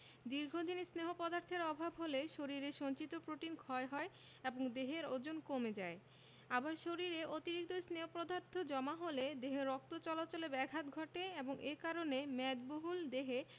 দীর্ঘদিন স্নেহ পদার্থের অভাব হলে শরীরের সঞ্চিত প্রোটিন ক্ষয় হয় এবং দেহের ওজন কমে যায় আবার শরীরে অতিরিক্ত স্নেহ পদার্থ জমা হলে দেহে রক্ত চলাচলে ব্যাঘাত ঘটে এবং এ কারণে মেদবহুল দেহে